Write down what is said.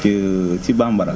si bambara